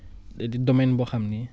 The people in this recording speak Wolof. da di domaine boo xam ne